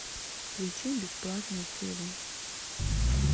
включи бесплатный фильм